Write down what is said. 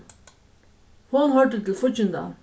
hon hoyrdi til fíggindan